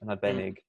yn arbennig